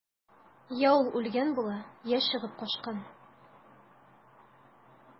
Йә ул үлгән була, йә чыгып качкан.